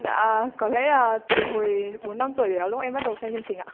dạ có lẽ là từ hồi bốn năm tuổi lúc em bắt đầu xem chương trình ạ